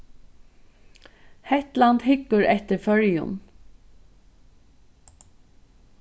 hetland hyggur eftir føroyum